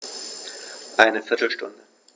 Eine viertel Stunde